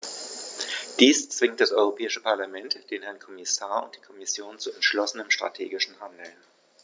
Dies zwingt das Europäische Parlament, den Herrn Kommissar und die Kommission zu entschlossenem strategischen Handeln.